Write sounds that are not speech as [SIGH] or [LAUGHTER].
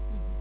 [HESITATION] [HESITATION]